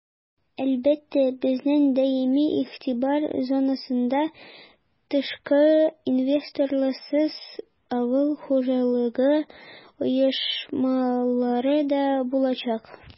Әлбәттә, безнең даими игътибар зонасында тышкы инвесторларсыз авыл хуҗалыгы оешмалары да булачак.